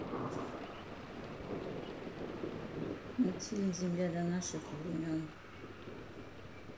мультфильм земля до наших времен